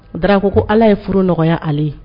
Da ko ko ala ye furu nɔgɔya ale ye